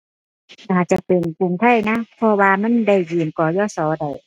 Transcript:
น่าจะเป็นกรุงไทยนะ เพราะว่ามันได้ยืม กยศ. ได้